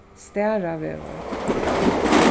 staravegur